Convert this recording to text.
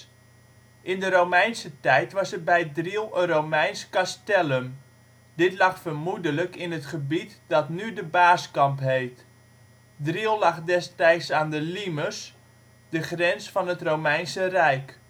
In de Romeinse tijd was er bij Driel een Romeins castellum. Dit lag vermoedelijk in het gebied dat nu de Baarskamp heet. Driel lag destijds aan de limes; de grens van het Romeinse Rijk